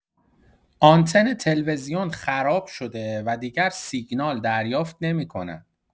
آنتن تلویزیون خراب شده و دیگر سیگنال دریافت نمی‌کند.